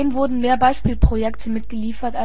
wurden mehr Beispielprojekte mitgeliefert